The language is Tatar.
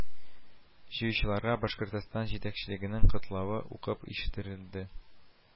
Җыелучыларга башкортстан җитәкчелегенең котлавы укып ишеттерелде